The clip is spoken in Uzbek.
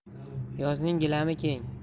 yozning gilami keng